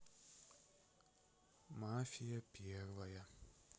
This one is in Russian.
мафия первая